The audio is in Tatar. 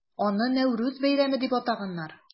Аны Нәүрүз бәйрәме дип атаганнар.